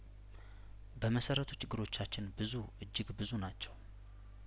በመሰረቱ ችግሮቻችን ብዙ እጅግ ብዙ ናቸው